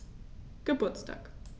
Geburtstag